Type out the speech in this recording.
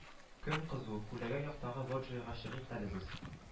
– көн кызу, күләгә яктагы лоджиягә чыгыйк әле без